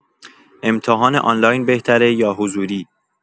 امتحان آنلاین بهتره یا حضوری؟